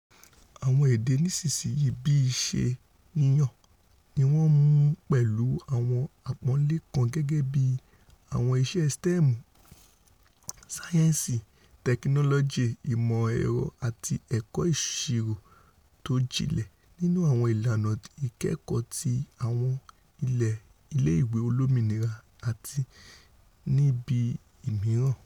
Àwọn èdè nísinsìnyí, bí i̇ṣẹ́ yíyàn, niwọ́n ńmú pẹ̀lú ọwọ́ àpọ́nlẹ́ kaǹ gẹ́gẹ́bí àwọn iṣẹ́ STEM (sáyẹ́ńsì, tẹkinọlọji, ìmọ̀-ẹ̀rọ àti ẹ̀kọ́ ìsiró tójinlẹ̀) nínú àwọn ìlànà ìkẹ́kọ̀ọ́ ti àwọn ilé ìwé olómìnira àti níbiimíràn.